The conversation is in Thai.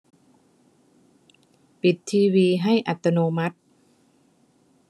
ปิดทีวีให้อัตโนมัติ